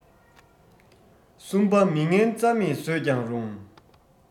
གསུམ པ མི ངན རྩ མེད བཟོས ཀྱང རུང